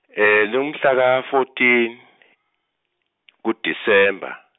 e lingumhla ka fourteen , ku December.